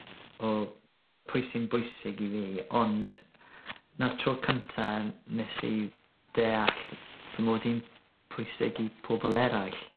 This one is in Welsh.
o pwy sy'n bwysig i fi ond 'na'r tro cynta nes i deall fy mod i'n pwysig i pobol eraill.